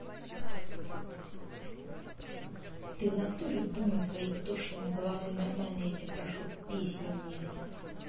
ты в натуре думай своей петушиной головой нормально я тебя прошу песню мне